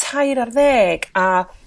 tair ar ddeg a